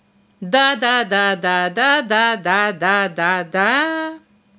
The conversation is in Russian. да да да да да да да да да да да да да да да